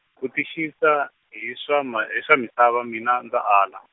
ku tixisa hi swa ma- hi swa misava mina ndza ala.